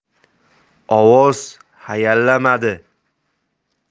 ovoz hayallamadi